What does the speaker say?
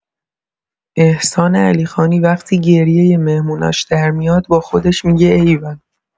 احسان علیخانی وقتی گریۀ مهموناش در میاد با خودش می‌گه ایول